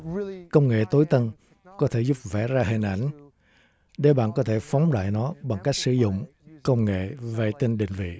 công nghệ tối tân có thể giúp vẽ ra hình ảnh để bạn có thể phóng đại nó bằng cách sử dụng công nghệ vệ tinh định vị